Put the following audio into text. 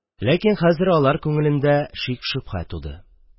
Ләкин хәзер алар күңелендә шик-шөбһә туды